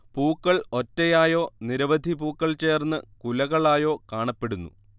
പൂക്കൾ ഒറ്റയായോ നിരവധി പൂക്കൾ ചേർന്ന് കുലകളായോ കാണപ്പെടുന്നു